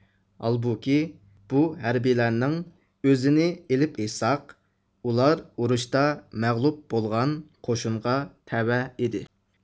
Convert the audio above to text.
ھالبۇكى بۇ ھەربىيلەرنىڭ ئۆزىنى ئېلىپ ئېيتساق ئۇلار ئۇرۇشتا مەغلۇپ بولغان قوشۇنغا تەۋە ئىدى